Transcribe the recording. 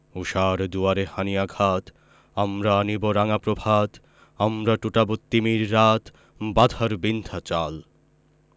ঊষার দুয়ারে হানি আঘাত আমরা আনিব রাঙা প্রভাত আমরা টুটাব তিমির রাত বাধার বিন্ধ্যাচল